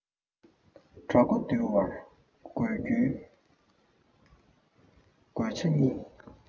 དགྲ མགོ འདུལ བར དགོས རྒྱུའི དགོས ཆ གཉིས